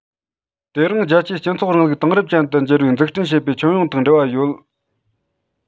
དེ རང རྒྱལ སྤྱི ཚོགས རིང ལུགས ཀྱི དེང རབས ཅན དུ འགྱུར བའི འཛུགས སྐྲུན བྱེད པའི ཁྱོན ཡོངས དང འབྲེལ བ ཡོད